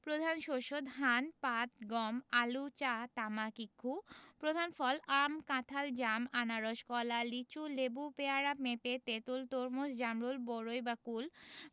প্রধান শস্যঃ ধান পাট গম আলু চা তামাক ইক্ষু প্রধান ফলঃ আম কাঁঠাল জাম আনারস কলা লিচু লেবু পেয়ারা পেঁপে তেঁতুল তরমুজ জামরুল বরই বা কুল